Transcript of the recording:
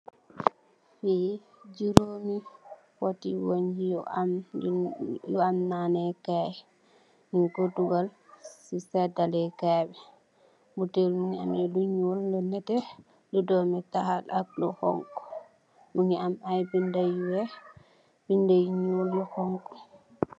Fii juromi poti weungh yu am lu yu am naaneh kaii, njung kor dugal cii sehdaleh kaii bii, butehll bii mungy ameh lu njull, lu nehteh, lu dormi taal, ak lu honhu, mungy am aiiy binda yu wekh, binda yu njull, lu honhu.